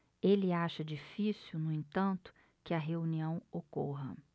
ele acha difícil no entanto que a reunião ocorra